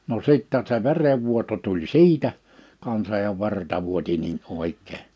no sitten se verenvuoto tuli siitä kanssa ja verta vuoti niin oikein